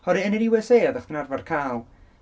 Oherwydd yn yr USA oeddach chdi'n arfer cael...